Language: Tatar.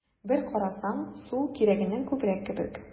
Бер карасаң, су кирәгеннән күбрәк кебек: